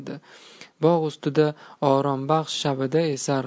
bog' ustida orombaxsh shabada esar